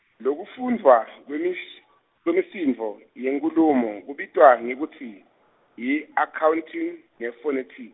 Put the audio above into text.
lokufundvwa, kwemis- kwemisindvo, yenkhulumo, kubitwa ngekutsi, yi-accounting nephoneti-.